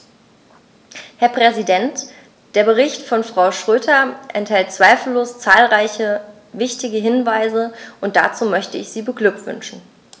Herr Präsident, der Bericht von Frau Schroedter enthält zweifellos zahlreiche wichtige Hinweise, und dazu möchte ich sie beglückwünschen.